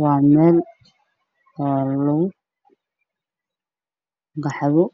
Waa meel qaxwo lugu